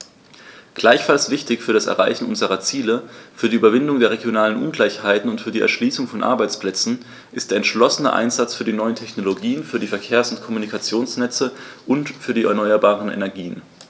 Gleichfalls wichtig für das Erreichen unserer Ziele, für die Überwindung der regionalen Ungleichheiten und für die Erschließung von Arbeitsplätzen ist der entschlossene Einsatz für die neuen Technologien, für die Verkehrs- und Kommunikationsnetze und für die erneuerbaren Energien.